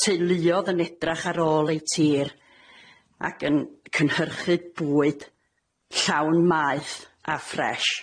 Teuluodd yn edrach ar ôl ei tir ac yn cynhyrchu bwyd llawn maeth a ffres.